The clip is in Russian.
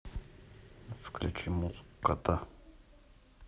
включи музыку кота